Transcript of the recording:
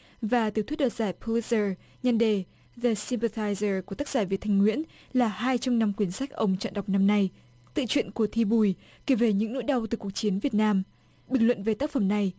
và tiểu thuyết đoạt giải pu lít dơ nhan đề vệt si vờ thai dơ của tác giả việt thanh nguyễn là hai trong năm quyển sách ông đọc năm nay tự truyện của thi bùi kể về những nỗi đau từ cuộc chiến việt nam bình luận về tác phẩm này